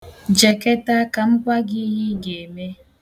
Jeketa ka m gwa gị ihe ị ga-eme.